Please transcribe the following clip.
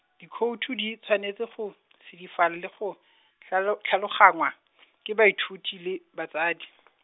Dikhoutu di, tshwanetse go, sedifala le go, tlhalo- tlhaloganngwa , ke baithuti le, batsadi.